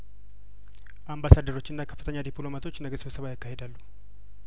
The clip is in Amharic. አምባሳደሮችና ከፍተኛ ዲፕሎማቶች ነገ ስብሰባ ያካሂ ዳሉ